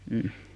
mm